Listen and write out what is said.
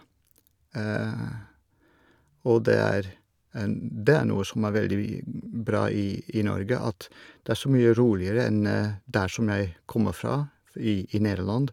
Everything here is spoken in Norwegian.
Og det er det er noe som er veldig bra i i Norge, at det er så mye roligere enn der som jeg kommer fra f i i Nederland.